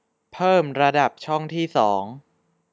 เพิ่มระดับช่องที่สอง